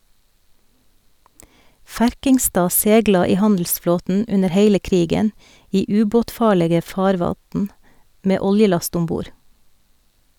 Ferkingstad segla i handelsflåten under heile krigen, i ubåtfarlege farvatn, med oljelast om bord.